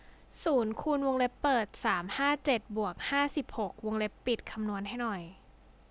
ศูนย์คูณวงเล็บเปิดสามห้าเจ็ดบวกห้าสิบหกวงเล็บปิดคำนวณให้หน่อย